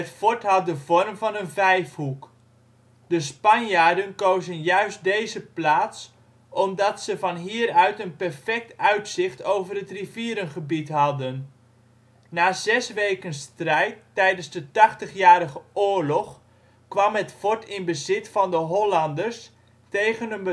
fort had de vorm van een vijfhoek. De Spanjaarden kozen juist deze plaats omdat ze van hieruit een perfect uitzicht over het rivierengebied hadden. Na zes weken strijd tijdens de Tachtigjarige Oorlog kwam het fort in bezit van de Hollanders tegen